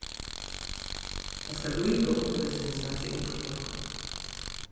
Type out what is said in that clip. tað skal ríka undirvísingina hjá yngru flokkunum